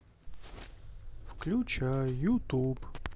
включай ютуб